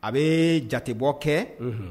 A bɛ jatebɔ kɛ; unhun.